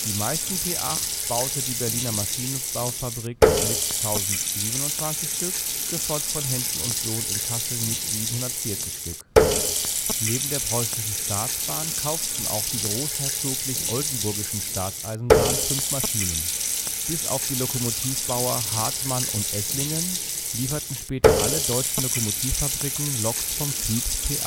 meisten P 8 baute die Berliner Maschinenbau AG mit 1027 Stück, gefolgt von Henschel & Sohn in Cassel mit 740 Stück. Neben der Preußischen Staatsbahn kauften auch die Großherzoglich Oldenburgischen Staatseisenbahnen fünf Maschinen. Bis auf die Lokomotivbauer Hartmann und Esslingen lieferten später alle deutschen Lokomotivfabriken Loks vom Typ P